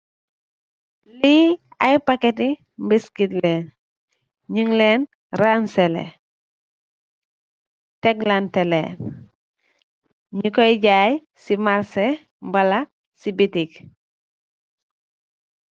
Li ay paketti biskit lèèn , ñung lèèn ranseleh teklanteh lèèn ñi Koy jaay si marseh mballa ci bitik.